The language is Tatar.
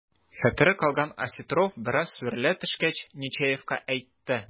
Хәтере калган Осетров, бераз сүрелә төшкәч, Нечаевка әйтте: